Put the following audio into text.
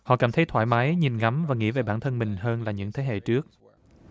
họ cảm thấy thoải mái nhìn ngắm và nghĩ về bản thân mình hơn là những thế hệ trước